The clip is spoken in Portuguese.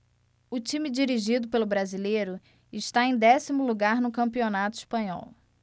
o time dirigido pelo brasileiro está em décimo lugar no campeonato espanhol